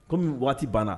Kɔmi waati banna